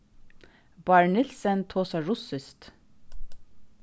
bárður nielsen tosar russiskt